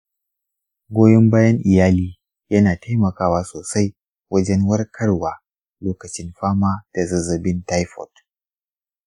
goyon bayan iyali yana taimakawa sosai wajen warkarwa lokacin fama da zazzabin taifot.